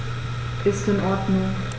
Ist in Ordnung.